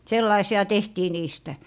sellaisia tehtiin niistä